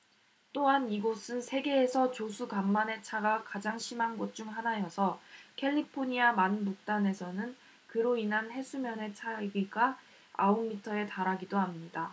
또한 이곳은 세계에서 조수 간만의 차이가 가장 심한 곳 중 하나여서 캘리포니아 만 북단에서는 그로 인한 해수면의 차이가 아홉 미터에 달하기도 합니다